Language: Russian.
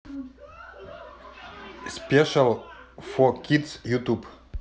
спешл фо кидс ютуб